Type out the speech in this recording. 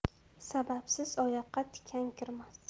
sababsiz oyoqqa tikan kirmas